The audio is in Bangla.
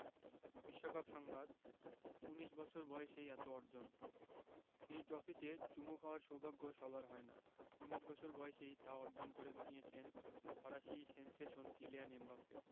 বিশ্বকাপ সংবাদ ১৯ বছর বয়সেই এত অর্জন এই ট্রফিতে চুমু খাওয়ার সৌভাগ্য সবার হয় না ১৯ বছর বয়সেই তা অর্জন করে নিয়েছেন ফরাসি সেনসেশন কিলিয়ান এমবাপ্পে